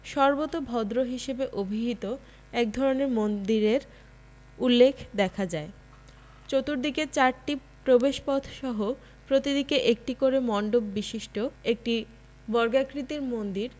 সর্বোতভদ্র হিসেবে অভিহিত এক ধরনের মন্দিরের উল্লেখ দেখা যায় চতুর্দিকে চারটি প্রবেশপথসহ প্রতিদিকে একটি করে মন্ডপ বিশিষ্ট একটি বর্গাকৃতির মন্দির